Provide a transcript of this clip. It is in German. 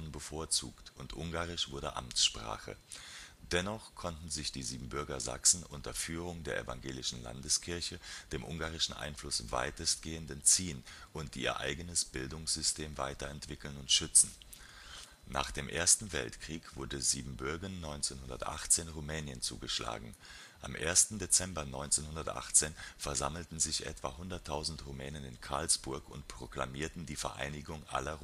bevorzugt und Ungarisch wurde Amtssprache. Dennoch konnten sich die Siebenbürger Sachsen unter Führung der Evangelischen Landeskirche dem ungarischen Einfluss weitestgehend entziehen und ihr eigenes Bildungssystem weiterentwickeln und schützen. Nach dem Ersten Weltkrieg wurde Siebenbürgen 1918 Rumänien zugeschlagen. Am 1. Dezember 1918 versammelten sich etwa 100.000 Rumänen in Karlsburg und proklamierten die Vereinigung aller